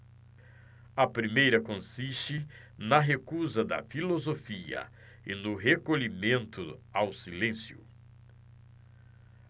a primeira consiste na recusa da filosofia e no recolhimento ao silêncio